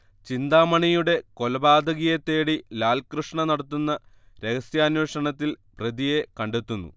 ചിന്താമണിയുടെ കൊലപാതകിയെത്തേടി ലാൽകൃഷ്ണ നടത്തുന്ന രഹസ്യാന്വേഷണത്തിൽ പ്രതിയെ കണ്ടെത്തുന്നു